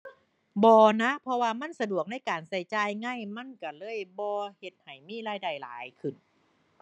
บ่นะ เพราะว่ามันสะดวกในการใช้จ่ายไง มันใช้เลยบ่เฮ็ดให้มีรายได้หลายขึ้น